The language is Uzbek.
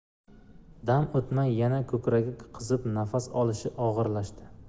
dam utmay yana kukragi qizib nafas olishi og'irlashdi